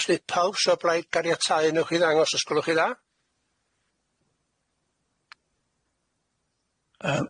felly pawb sy' o'r blaid caniatáu 'newch chi ddangos os gwelwch chi dda?